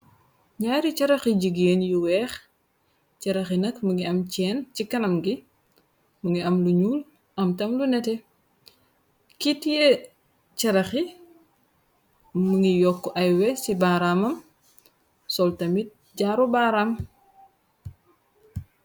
Nyaari charaxi jigeen yu weex charayi nak mu ngi am ceen ci kanam gi mu ngi am lu ñuul am tam lu nete ki teyeh caraxi mu ngi yokk ay weeh ci baaraamam sol tamit jaaro baaraam.